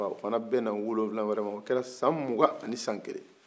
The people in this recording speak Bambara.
o fana bɛ na wolonwula wɛrɛ man o kɛra san mugan ani san kelen